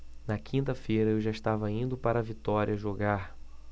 na quinta-feira eu já estava indo para vitória jogar